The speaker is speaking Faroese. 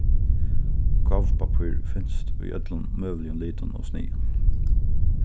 gávupappír finst í øllum møguligum litum og sniðum